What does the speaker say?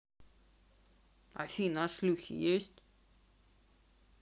афина а шлюхи есть